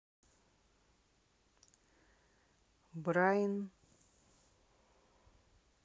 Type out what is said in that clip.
брайан